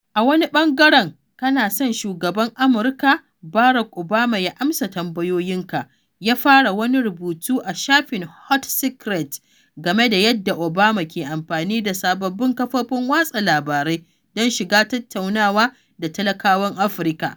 A wani bangaran, kana son shugaban Amurka, Barack Obama ya amsa tambayoyinka?,” ya fara wani rubutu a shafin Hot Secrets game da yadda Obama ke amfani da sabbin kafofin watsa labarai don shiga tattaunawa da talakawan Afirka.